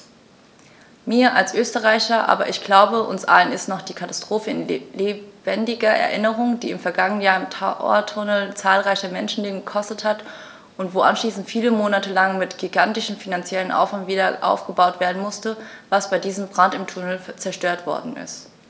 Mir als Österreicher, aber ich glaube, uns allen ist noch die Katastrophe in lebendiger Erinnerung, die im vergangenen Jahr im Tauerntunnel zahlreiche Menschenleben gekostet hat und wo anschließend viele Monate lang mit gigantischem finanziellem Aufwand wiederaufgebaut werden musste, was bei diesem Brand im Tunnel zerstört worden ist.